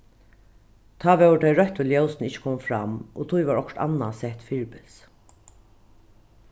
tá vóru tey røttu ljósini ikki komin fram og tí var okkurt annað sett fyribils